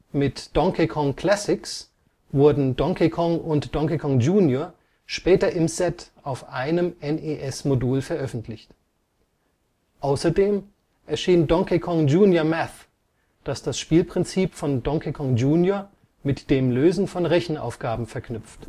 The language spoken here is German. Mit Donkey Kong Classics wurden Donkey Kong und Donkey Kong Jr. später im Set auf einem NES-Modul veröffentlicht, außerdem erschien Donkey Kong Jr. Math, das das Spielprinzip von Donkey Kong Jr. mit dem Lösen von Rechenaufgaben verknüpft